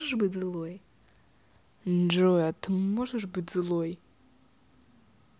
джой а ты можешь быть злой